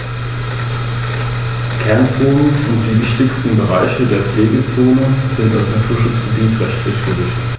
Im Ersten Punischen Krieg brach Rom die Vereinbarung mit Karthago über die Aufteilung der Interessenzonen auf Sizilien und dehnte seinen Einflussbereich bis an die Grenze des karthagischen Machtbereichs aus.